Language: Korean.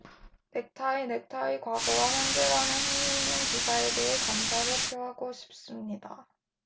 넥타이 넥타이 과거와 현재라는 흥미 있는 기사에 대해 감사를 표하고 싶습니다